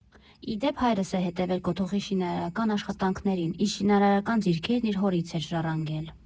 Ի դեպ, հայրս է հետևել կոթողի շինարարական աշխատանքներին, իսկ շինարարական ձիրքերն իր հորից էր ժառանգել։